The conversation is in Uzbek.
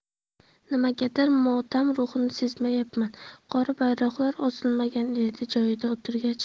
nimagadir motam ruhini sezmayapman qora bayroqlar osilmagan dedi joyiga o'tirgach